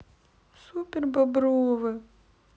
супер бобровы